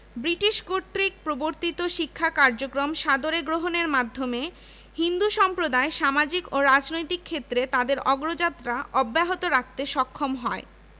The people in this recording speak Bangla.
মোফাজ্জল হায়দার চৌধুরী বাংলা বিভাগ ড. আবুল খায়ের ইতিহাস বিভাগ ড. সিরাজুল হক খান শিক্ষা ও গবেষণা ইনস্টিটিউট রাশীদুল হাসান ইংরেজি বিভাগ